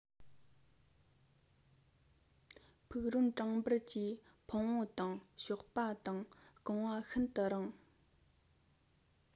ཕུག རོན བྲང འབུར གྱི ཕུང པོ དང གཤོག པ དང རྐང པ ཤིན ཏུ རིང